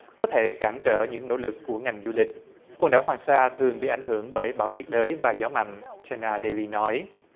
có thể cản trở những nỗ lực của ngành du lịch quần đảo hoàng sa thường bị ảnh hưởng bởi bão nhiệt đới và gió mạnh chai na đây ly nói